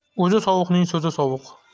o'zi sovuqning so'zi sovuq